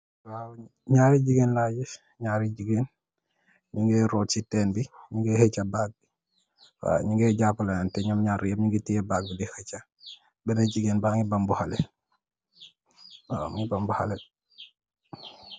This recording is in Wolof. Njaari gigain la gis, njaari gigain njungeh rot cii tehnne bii, njungeh hecha bag bii, waa nju ngeh japalanteh njom njarr yii yehp njungy tiyeh bag bii dii hecha, bena gigain bangy bambou haleh, waw mungy bambou haleh.